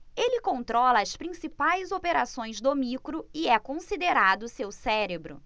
ele controla as principais operações do micro e é considerado seu cérebro